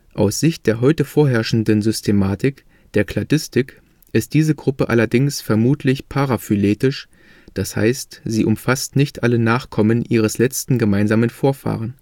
Aus Sicht der heute vorherrschenden Systematik, der Kladistik, ist diese Gruppe allerdings vermutlich paraphyletisch, das heißt, sie umfasst nicht alle Nachkommen ihres letzten gemeinsamen Vorfahren